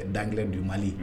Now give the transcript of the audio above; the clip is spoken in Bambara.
Dangkira don mali ye